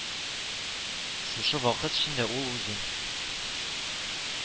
Шушы вакыт эчендә ул үзен